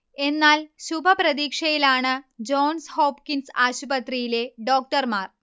എന്നാൽ, ശുഭപ്രതീക്ഷയിലാണ് Johns Hopkins ആശുപത്രിയിലെ ഡോക്ടർമാർ